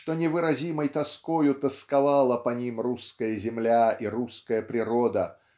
что невыразимой тоскою тосковала по ним русская земля и русская природа